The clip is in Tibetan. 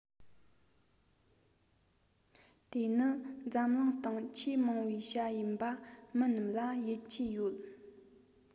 དེ ནི འཛམ གླིང སྟེང ཆེས མང བའི བྱ ཡིན པ མི རྣམས ལ ཡིད ཆེས ཡོད